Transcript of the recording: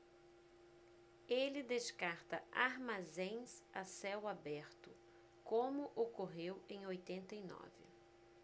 ele descarta armazéns a céu aberto como ocorreu em oitenta e nove